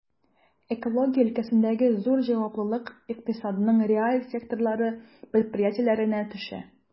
Экология өлкәсендәге зур җаваплылык икътисадның реаль секторлары предприятиеләренә төшә.